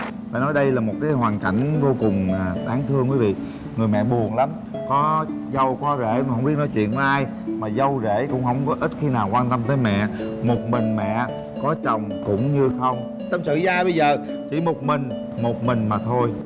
phải nói đây là một cái hoàn cảnh vô cùng đáng thương quý vị người mẹ buồn lắm có dâu có rể mà không biết nói chuyện với ai mà dâu rể cũng hông có ít khi nào quan tâm tới mẹ một mình mẹ có chồng cũng như không tâm sự với ai bây giờ chỉ một mình một mình mà thôi